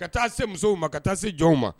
Ka taa se musow ma ka taa se jɔnw ma